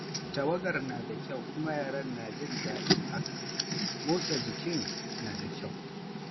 Tawagar nada kyau kuma yaran na jin dadi haka; motsa jikin na da kyau.